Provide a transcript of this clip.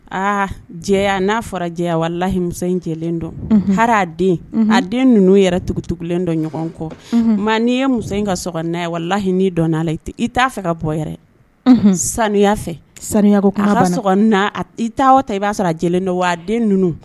Aa jɛ n'a fɔra jɛ walilahi in jɛlen dɔn har'a den a den ninnu yɛrɛ tugutigiwlen dɔn ɲɔgɔn kɔ ma n'i ye muso in ka ye walilahiinin dɔn i t'a fɛ ka bɔ saniya fɛ sanu ko ala i t taa ta i b'a sɔrɔ j don wa den ninnu